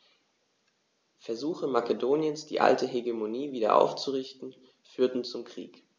Versuche Makedoniens, die alte Hegemonie wieder aufzurichten, führten zum Krieg.